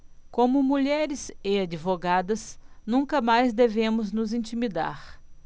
como mulheres e advogadas nunca mais devemos nos intimidar